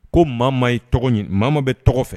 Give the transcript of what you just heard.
Ko maa ye tɔgɔ mama bɛ tɔgɔ fɛ